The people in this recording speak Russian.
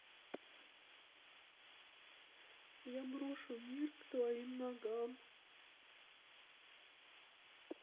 я брошу мир к твоим ногам